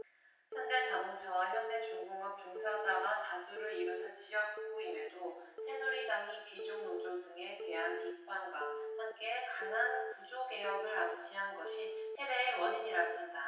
현대자동차와 현대중공업 종사자가 다수를 이루는 지역구임에도 새누리당이 귀족노조 등에 대한 비판과 함께 강한 구조개혁을 암시한 것이 패배의 원인이라고 한다